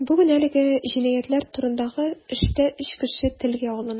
Бүген әлеге җинаятьләр турындагы эштә өч кеше телгә алына.